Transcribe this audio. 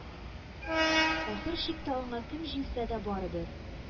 Ахыр чиктә аңа кем җиңсә дә барыбер.